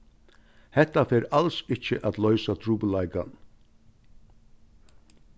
hetta fer als ikki at loysa trupulleikan